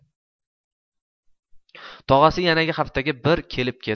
tog'asi yanagi haftaga bir kelib ket